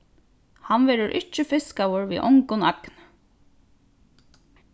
hann verður ikki fiskaður við ongum agni